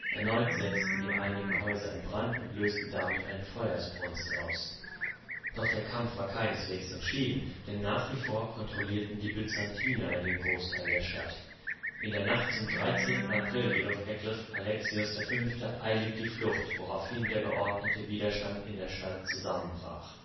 Erneut setzten sie einige Häuser in Brand und lösten damit eine Feuersbrunst aus. Doch der Kampf war keineswegs entschieden, denn nach wie vor kontrollierten die Byzantiner den Großteil der Stadt. In der Nacht zum 13. April jedoch ergriff Alexios V. eilig die Flucht, woraufhin der geordnete Widerstand in der Stadt zusammenbrach